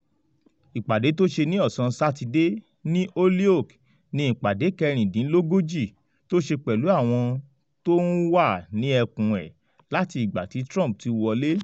Ìpàdé tó wáyé ní ọ̀sán Sátidé ní Holyoke ni ìpàdé ìkẹ́rindínlógójì (36) tó ṣe pẹ̀lú àwọn t’ọ́n wà ní ẹkùn ẹ̀ láti ìgbà tí Trump ti wọlé.